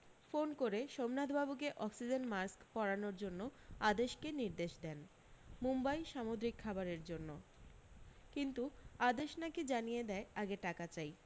phone করে সোমনাথবাবুকে oxygen mask পরানোর জন্য আদেশকে নির্দেশ দেন মুম্বাই সামুদ্রিক খাবারের জন্য কিন্তু আদেশ নাকি জানিয়ে দেয় আগে টাকা চাই